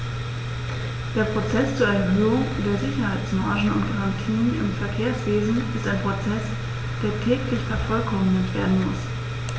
Der Prozess zur Erhöhung der Sicherheitsmargen und -garantien im Verkehrswesen ist ein Prozess, der täglich vervollkommnet werden muss.